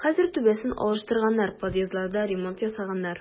Хәзер түбәсен алыштырганнар, подъездларда ремонт ясаганнар.